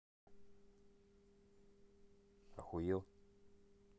ахуел